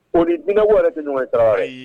O ni dunan wari bɛ ɲɔgɔn ta ye